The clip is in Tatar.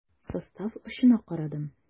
Состав очына карадым.